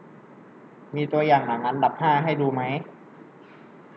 มีตัวอย่างหนังอันดับห้าให้ดูไหม